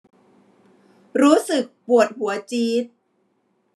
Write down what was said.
รู้สึกปวดหัวจี๊ด